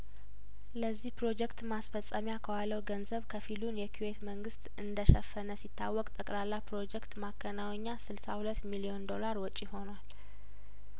ለዚህ ፕሮጀክት ማስፈጸሚያ ከዋለው ገንዘብ ከፊሉን የኩዌት መንግስት እንደሸፈነ ሲታወቅ ጠቅላላ ፕሮጀክት ማከናወኛ ስልሳ ሁለት ሚሊዮን ዶላር ወጪ ሆኗል